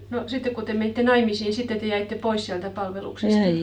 no sitten kun te menitte naimisiin sitten te jäitte pois sieltä palveluksesta